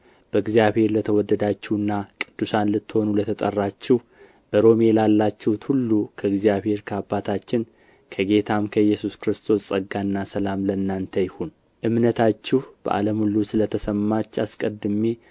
በእግዚአብሔር ለተወደዳችሁና ቅዱሳን ልትሆኑ ለተጠራችሁ በሮሜ ላላችሁት ሁሉ ከእግዚአብሔር ከአባታችን ከጌታም ከኢየሱስ ክርስቶስ ጸጋና ሰላም ለእናንተ ይሁን እምነታችሁ በዓለም ሁሉ ስለ ተሰማች አስቀድሜ